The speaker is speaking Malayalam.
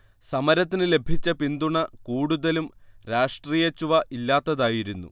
സമരത്തിന് ലഭിച്ച പിന്തുണ കൂടുതലും രാഷ്ട്രീയച്ചുവ ഇല്ലാത്തതായിരുന്നു